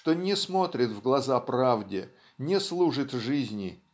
что не смотрит в глаза правде не служит жизни